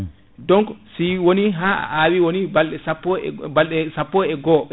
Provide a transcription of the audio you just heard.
donc si woni ha a awi woni balɗe sappo e balde sappo e go